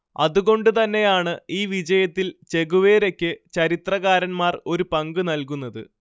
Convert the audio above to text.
അതുകൊണ്ടുതന്നെയാണ് ഈ വിജയത്തിൽ ചെഗുവേരയ്ക്ക് ചരിത്രകാരന്മാർ ഒരു പങ്ക് നല്കുന്നത്